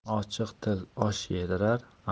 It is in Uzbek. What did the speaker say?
ochiq til osh yedirar